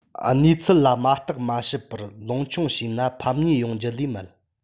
གནས ཚུལ ལ མ བརྟགས མ དཔྱད པར ལོང མཆོངས བྱས ན ཕམ ཉེས ཡོང རྒྱུ ལས མེད